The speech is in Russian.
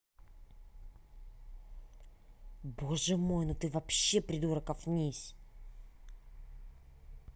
боже мой ну ты вообще придурок офнись